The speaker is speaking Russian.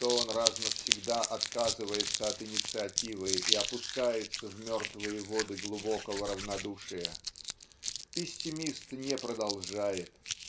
что он раз навсегда отказывается от инициативы и опускается в мертвые воды глубокого равнодушия? Пессимист не продолжает